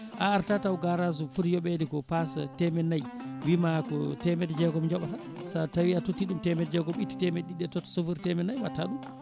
a arta taw garage o footi yooɓede ko passe temedde nayyi wiima ko temedde jeegom jooɓata sa tawi a totti ɗum temedde jeegom itta temedde ɗiɗi ɗe totta chauffeur temedde nayyi watta ɗum